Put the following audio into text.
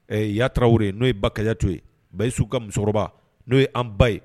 Ɛ yataw n'o ye bakaya to ye bayisiw ka musokɔrɔba n'o ye an ba ye